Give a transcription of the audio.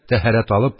Тәһарәт алып,